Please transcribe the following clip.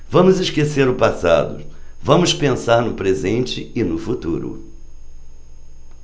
vamos esquecer o passado vamos pensar no presente e no futuro